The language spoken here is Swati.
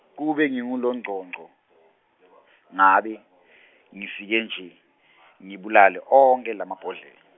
kube nginguLogcogco, ngabe, ngifike nje, ngibulale onkhe lamabhodlela.